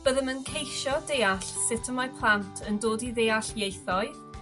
Byddem yn ceisio deall sut y mae plant yn dod i ddeall ieithoedd?